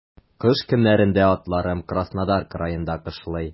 Кыш көннәрендә атларым Краснодар краенда кышлый.